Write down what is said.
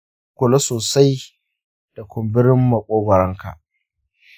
zamu kula sosai da kumburin makogoranka.